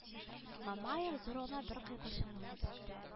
Мамаев зур гына бер кыйпылчыкны күрсәтте